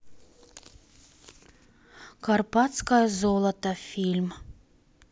карпатское золото фильм